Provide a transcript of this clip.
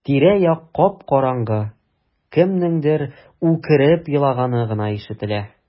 Тирә-як кап-караңгы, кемнеңдер үкереп елаганы гына ишетелә.